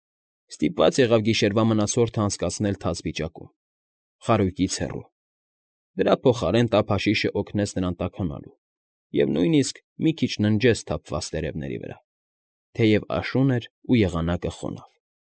Ստիպված եղավ գիշերվա մնացորդն անցկացնել թաց վիճակում, խարույկից հեռու, դրա փոխարեն տափաշիշն էլ օգնեց նրան տաքանալու և նույնիսկ մի քիչ ննջեց թափված տերևների վրա, թեև աշուն էր ու եղանակը խոնավ։